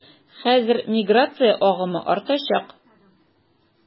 Хәзер миграция агымы артачак.